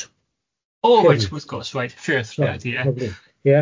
O wyt, wrth gwrs reit ffwrdd reit ie.